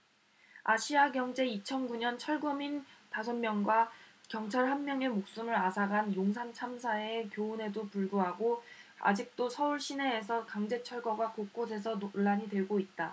아시아경제 이천 구 년 철거민 다섯 명과 경찰 한 명의 목숨을 앗아간 용산참사의 교훈에도 불구하고 아직도 서울 시내에서 강제철거가 곳곳에서 논란이 되고 있다